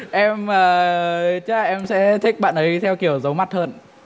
em ờ chắc là em sẽ thích bạn ấy theo kiểu giấu mặt hơn